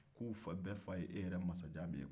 k'u bɛɛ fa y'e yɛrɛ masajan min ye